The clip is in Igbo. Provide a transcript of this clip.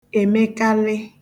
èmekalị